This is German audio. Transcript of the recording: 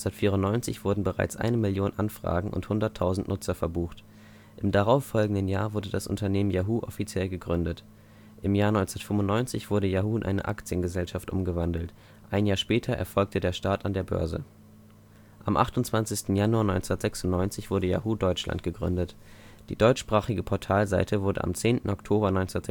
1994 wurden bereits eine Million Anfragen und 100.000 Nutzer verbucht. Im darauffolgenden Jahr wurde das Unternehmen Yahoo offiziell gegründet. Im Jahr 1995 wurde Yahoo in eine Aktiengesellschaft umgewandelt, ein Jahr später erfolgte der Start an der Börse. Am 28. Januar 1996 wurde Yahoo Deutschland gegründet, die deutschsprachige Portalseite wurde am 10. Oktober 1996